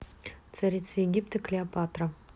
царица египта клеопатра